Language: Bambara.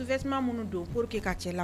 sous vêtements minnu bɛ don pour que ka cɛ la